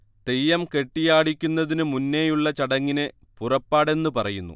തെയ്യം കെട്ടിയാടിക്കുന്നതിനുമുന്നേയുള്ള ചടങ്ങിനെ പുറപ്പാടെന്ന് പറയുന്നു